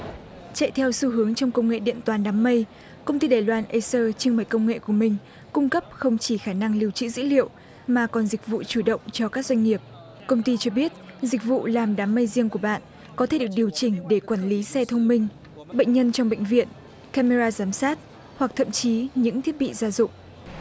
chạy theo xu hướng trong công nghệ điện toán đám mây công ty đài loan ây xơ trưng bày công nghệ của mình cung cấp không chỉ khả năng lưu trữ dữ liệu mà còn dịch vụ chủ động cho các doanh nghiệp công ty cho biết dịch vụ làm đám mây riêng của bạn có thể được điều chỉnh để quản lý xe thông minh bệnh nhân trong bệnh viện ca me ra giám sát hoặc thậm chí những thiết bị gia dụng